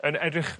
yn edrych